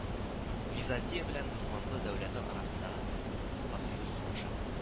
Византия белән Госманлы дәүләте арасындагы Бафеус сугышы